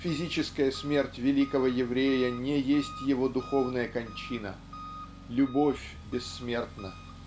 Физическая смерть великого еврея не есть его духовная кончина. Любовь бессмертна.